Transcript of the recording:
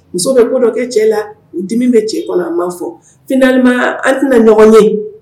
Muso bɛ ko kɛ cɛ la u dimi bɛ cɛ kɔnɔ a ma fɔli an tɛna ɲɔgɔn ye